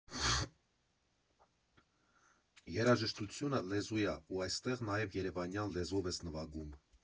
Երաժշտությունը՝ լեզու ա, ու այստեղ նաև երևանյան լեզվով ես նվագում։